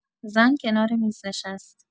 زن کنار میز نشست.